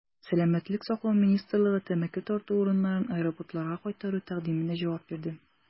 Сәламәтлек саклау министрлыгы тәмәке тарту урыннарын аэропортларга кайтару тәкъдименә җавап бирде.